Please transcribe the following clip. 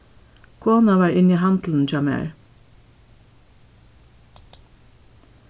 konan var inni í handlinum hjá mær